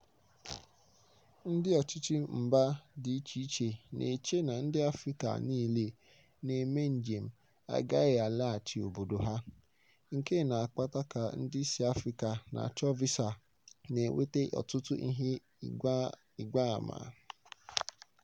Ndị ọchịchị mba dị icheiche na-eche na ndị Afrịka niile na-eme njem agaghị alaghachi obodo ha, nke na-akpata ka ndị si Afrịka na-achọ visa na-eweta ọtụtụ ihe ịgbaàmà.